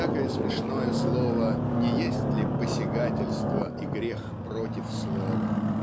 и всякое смешное слово не есть ли посягательство и грех против Слова?